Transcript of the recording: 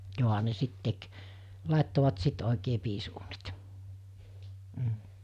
johan ne sitten teki laittoivat sitten oikein piisiuunit mm